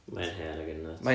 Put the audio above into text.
mae'n hen ac yn nuts